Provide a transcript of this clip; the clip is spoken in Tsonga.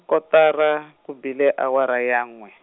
kotara, ku bile awara ya n'we.